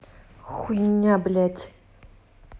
хуйня блядь